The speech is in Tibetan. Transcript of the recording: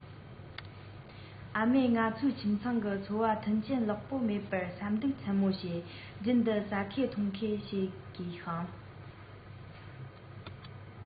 ཨ མས ང ཚོའི ཁྱིམ ཚང གི འཚོ བའི མཐུན རྐྱེན ལེགས པོ མེད པར སེམས སྡུག ཚད མེད བྱེད རྒྱུན དུ ཟ མཁས འཐུང མཁས བྱེད དགོས ཤིང